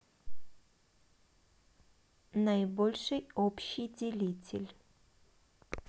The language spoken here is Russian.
наибольший общий делитель